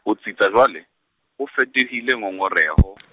o tsitsa jwale, o fetohile ngongoreho.